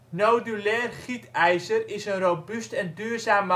Nodulair gietijzer is een robuust en duurzaam